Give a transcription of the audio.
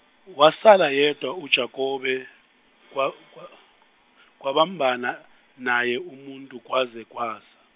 wasala yedwa uJakobe kwa- kwa- kwabambana naye umuntu kwaze kwasa.